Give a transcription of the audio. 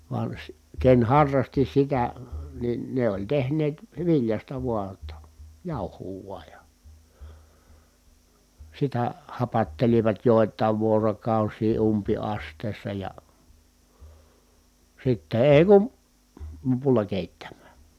vaan - ken harrasti sitä niin ne oli tehneet viljasta vain jotta jauhoa vain ja sitä hapattelivat joitain vuorokausia umpiastioissa ja sitten ei kun lopulla keittämään